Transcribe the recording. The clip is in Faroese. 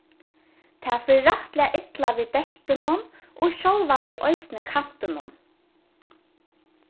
tað fer rættiliga illa við dekkunum og sjálvandi eisini kantunum